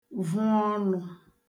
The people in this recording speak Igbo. vụ ọnụ̄